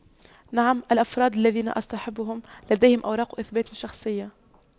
نعم الأفراد الذين اصطحبهم لديهم أوراق اثبات شخصية